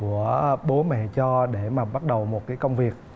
của bố mẹ cho để mà bắt đầu một cái công việc